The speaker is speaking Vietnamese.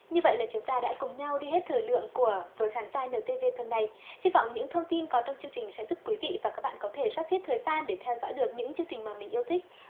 như vậy là chúng ta đã cùng nhau đi hết thời lượng của với khán giả nờ tê vê tuần này hy vọng những thông tin có trong chương trình sẽ giúp quý vị và các bạn có thể sắp xếp thời gian để theo dõi được những chương trình mà mình yêu thích